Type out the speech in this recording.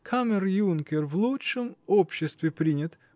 Камер-юнкер, в лучшем обществе принят.